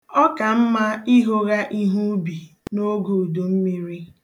Ọ ka mma ihogha ihe ubi n'oge udummiri.